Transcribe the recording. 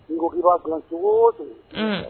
N ko i b'a kun cogo o cogo